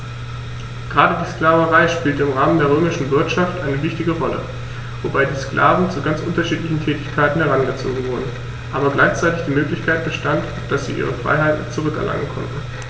Gerade die Sklaverei spielte im Rahmen der römischen Wirtschaft eine wichtige Rolle, wobei die Sklaven zu ganz unterschiedlichen Tätigkeiten herangezogen wurden, aber gleichzeitig die Möglichkeit bestand, dass sie ihre Freiheit zurück erlangen konnten.